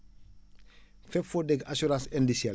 fépp foo dégg assurance indicelle